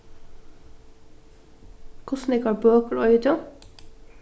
hvussu nógvar bøkur eigur tú